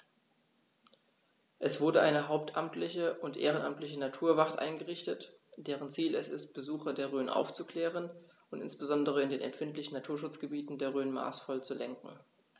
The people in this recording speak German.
Es wurde eine hauptamtliche und ehrenamtliche Naturwacht eingerichtet, deren Ziel es ist, Besucher der Rhön aufzuklären und insbesondere in den empfindlichen Naturschutzgebieten der Rhön maßvoll zu lenken.